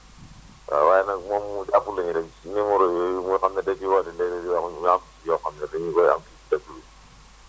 waaw waaye nag moom di * numéro yooyu nga xam ne dañ siy woote léeg-léeg ñu wax nga am si yoo xam ne dañu koy am si dëkk bi